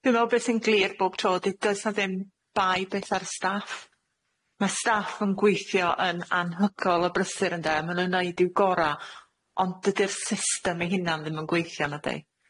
Dwi me'wl beth sy'n glir bob tro 'di does 'na ddim vibe betha'r staff, ma' staff yn gweithio yn anhygol o brysur ynde a ma' nw'n neud i'w gora ond dydi'r system i hunan ddim yn gweithio nadi?